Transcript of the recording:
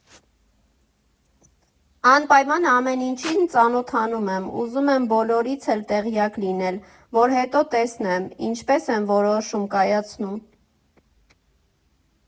Անպայման ամեն ինչին ծանոթանում եմ, ուզում եմ բոլորից էլ տեղյակ լինել, որ հետո տեսնեմ՝ ինչպես են որոշում կայացնում։